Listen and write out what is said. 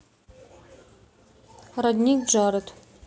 родник джаред